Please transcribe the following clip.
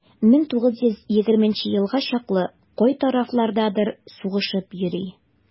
1920 елга чаклы кай тарафлардадыр сугышып йөри.